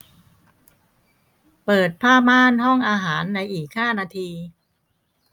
เปิดผ้าม่านห้องอาหารในอีกห้านาที